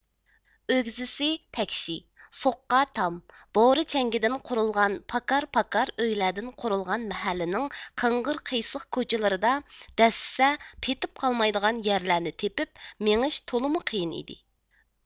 ئۆگزىسى تەكشى سوققا تام بورا چەڭزىدىن قۇرۇلغان پاكار پاكار ئۆيلەردىن قۇرۇلغان مەھەللىنىڭ قىڭغىر قىيسىق كوچىلىرىدا دەسسىسە پېتىپ قالمايدىغان يەرلەرنى تېپىپ مېڭىش تولىمۇ قىيىن ئىدى